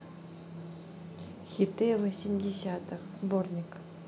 хиты восьмидесятых сборник